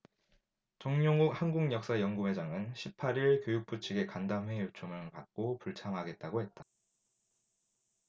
정용욱 한국역사연구회장은 십 팔 일 교육부 측의 간담회 요청을 받고 불참하겠다고 했다